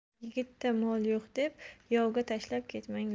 er yigitda mol yo'q deb yovga tashlab ketmanglar